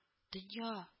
Дөнья